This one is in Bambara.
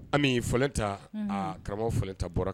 Ami fɔlɛta karamɔgɔw fɔlɛta bɔra